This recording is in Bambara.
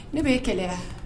Ne bɛ e kɛlɛ